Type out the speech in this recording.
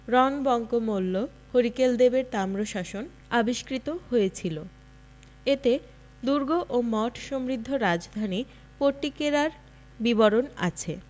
রণবঙ্কমল্ল হরিকলদেব এর তাম্রশাসন আবিষ্কৃত হয়েছিল এতে দুর্গ ও মঠ সমৃদ্ধ রাজধানী পট্টিকেরা র বিবরণ আছে